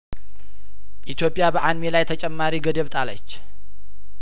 ኢትዮጵያ በአንሚ ላይ ተጨማሪ ገደብ ጣለች